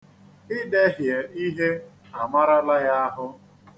Idehie ihe amarala ya ahụ.